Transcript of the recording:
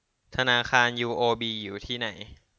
ธนาคารยูโอบีอยู่ที่ไหน